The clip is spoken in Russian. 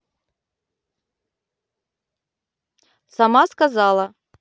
сама сказала